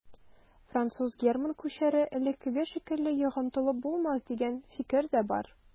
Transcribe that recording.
Француз-герман күчәре элеккеге шикелле йогынтылы булмас дигән фикер дә бар.